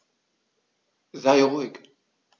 Sei ruhig.